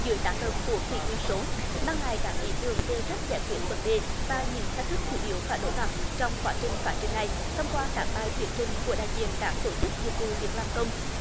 giữa tác động của kỷ nguyên số mang lại các ý tưởng về cách giải quyết vấn đề và những thách thức chủ yếu phải đối mặt trong quá trình phát triển này thông qua các bài thuyết trình của đại diện các tổ chức dịch vụ việc làm công